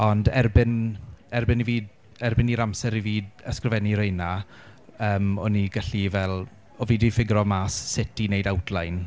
Ond erbyn.. erbyn i fi.. erbyn i'r amser i fi ysgrifennu reina yym o'n i'n gallu fel... o' fi 'di ffigro mas sut i wneud outline.